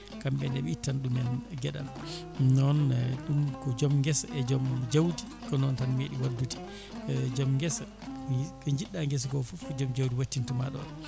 kamɓene ɓe ittana ɗumen gueɗal nonne ɗum ko joom guesa e joom jawdi ko noon tan meeɗi waddude joom guesa ko jiɗɗa guesa ko foof ko joom jawdi wattintoma ɗon